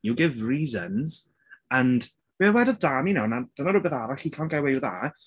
You give reasons and... Be wedodd Dami nawr 'na. Dyna rywbeth arall he can't get away with that.